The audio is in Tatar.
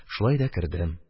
Шулай да кердем